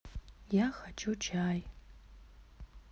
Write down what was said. я хочу чай